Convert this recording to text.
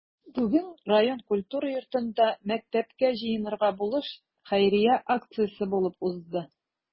Бүген район культура йортында “Мәктәпкә җыенырга булыш” хәйрия акциясе булып узды.